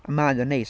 A mae o'n neis.